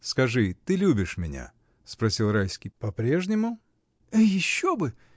— Скажи: ты любишь меня, — спросил Райский, — по-прежнему? — Еще бы!